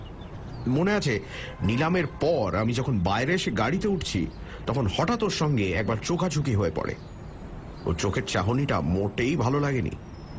মনে আছে নিলামের পর আমি যখন বাইরে এসে গাড়িতে উঠছি তখন হঠাৎ ওর সঙ্গে একবার চোখচুখি হয়ে পড়ে ওর চোখের চাহনিটা মোটেই ভাল লাগেনি